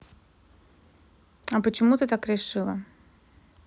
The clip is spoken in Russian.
а почему ты так решила